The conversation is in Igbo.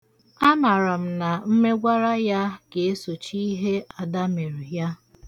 Amara m na mmegwara ya ga-esochi ihe Ada mere ya.